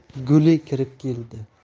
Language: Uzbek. qizi guli kirib keldi